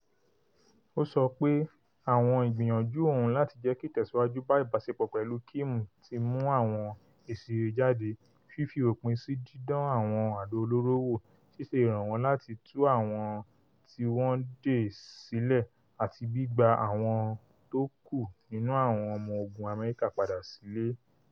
Ó sọ pé àwọn ìgbìyànjú òun láti jẹ́kí ìtẹ̀síwájú bá ìbáṣepọ̀ pẹ̀lú Kim ti mú àwọn èsì rere jáde - fífi òpin sí dídán àwọn àdó olóró wò, ṣíṣe ìrànwọ́ láti tú àwọn ti wọn ̀dè sílẹ̀ àti gbígba àwọn tókù nínú àwọn ọmọ ogun Amẹrika padà sílé.